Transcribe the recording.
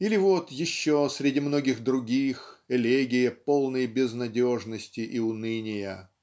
Или вот еще, среди многих других, элегия полной безнадежности и уныния